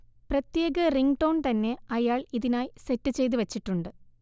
പ്രത്യേക റിങ്ങ്ടോൺ തന്നെ അയാൾ ഇതിനായി സെറ്റ്ചെയ്ത് വച്ചിട്ടുണ്ട്